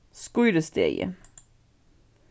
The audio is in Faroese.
skírisdegi